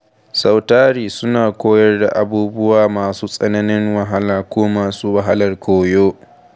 Sautari suna koyar da abubuwa masu tsananin wahala ko masu wahalar koyo.